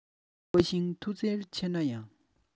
དཔའ ཞིང མཐུ རྩལ ཆེ ན ཡང